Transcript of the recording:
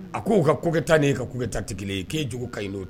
A k ko'u ka kokɛ taa n' ye ka' kɛ taa tigi ye k'e jo ka n'o